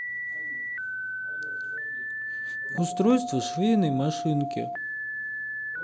устройство швейной машинки